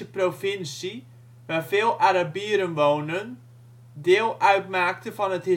veel Arabieren wonen, deel uit maakte van het